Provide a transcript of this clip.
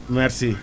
merci